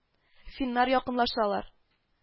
Финнар якынлашалар